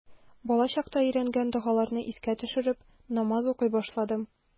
Балачакта өйрәнгән догаларны искә төшереп, намаз укый башладым.